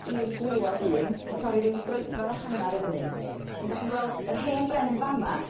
i'r gwilod un dwi'n torri ryw droedfadd a hannar i fyny. 'Dyn 'dach chi'n gweld yr hen bren yn fa' 'ma